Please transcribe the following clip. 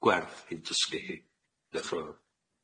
gwerth i dysgu hi.